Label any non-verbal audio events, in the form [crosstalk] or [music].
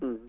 [hesitation] [hesitation]